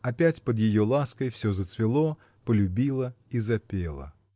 опять под ее лаской все зацвело, полюбило и запело.